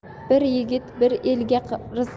bir yigit bir elga rizq